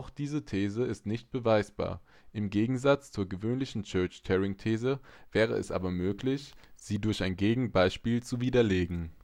diese These ist nicht beweisbar; im Gegensatz zur gewöhnlichen Church-Turing-These wäre es aber möglich, sie durch ein Gegenbeispiel zu widerlegen